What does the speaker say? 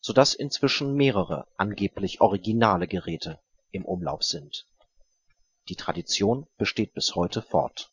so dass inzwischen mehrere angeblich originale Geräte im Umlauf sind. Die Tradition besteht bis heute fort.